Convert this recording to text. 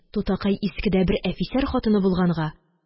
Тутакай искедә бер әфисәр хатыны булганга